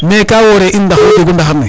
mais ka wore in ndax wo jegu ndaxar ne